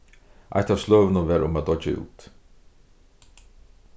eitt av sløgunum var um at doyggja út